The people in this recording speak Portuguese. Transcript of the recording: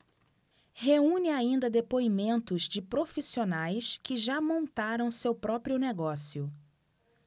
reúne ainda depoimentos de profissionais que já montaram seu próprio negócio